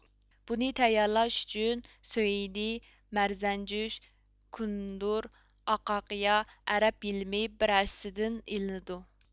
بۇنى تەييارلاش ئۈچۈن سۆئىدى مەرزەنجۈش كۇندۇر ئاقاقىيا ئەرەب يىلىمى بىر ھەسسىدىن ئېلىنىدۇ